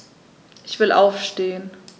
Ich will aufstehen.